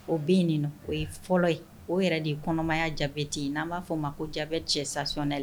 O ben in ni nɔ o ye fɔlɔ ye , o yɛrɛ de ye kɔnɔmaya diabète ye n'an b'a f’a ma ko diabète gestationnel